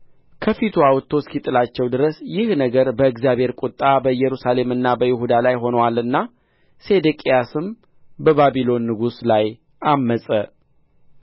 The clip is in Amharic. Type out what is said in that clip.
ከፊቱ አውጥቶ እስኪጥላቸው ድረስ ይህ ነገር በእግዚአብሔር ቍጣ በኢየሩሳሌምና በይሁዳ ላይ ሆኖአልና ሴዴቅያስም በባቢሎን ንጉሥ ላይ ዐመፀ